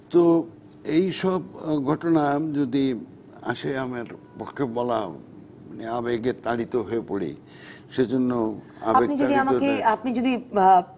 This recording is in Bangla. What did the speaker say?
তো ঘটনা যদি আসে আমার পক্ষে বলা আবেগে তাড়িত হয়ে পড়ি সেজন্য আবেগ তাড়িত আপনি যদি আমাকে আপনি যদি